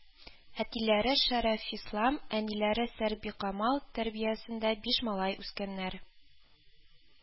Әтиләре Шәрәфислам, әниләре Сәрбикамал тәрбиясендә биш малай үскәннәр